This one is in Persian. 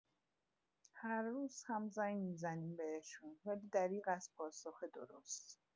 هر روز هم زنگ می‌زنیم بهشون ولی دریغ از پاسخ درست!